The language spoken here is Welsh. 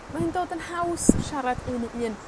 mae'n dod yn haws siarad un i un.